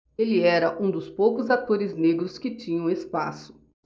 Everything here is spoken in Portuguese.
ele era um dos poucos atores negros que tinham espaço